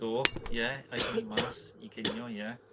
Do, ie, aethon ni mas i cinio. Ie.